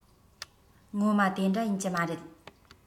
ངོ མ དེ འདྲ ཡིན གྱི མ རེད